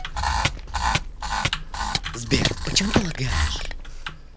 сбер почему ты лагаешь